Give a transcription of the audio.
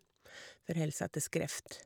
Forholde seg til skrift.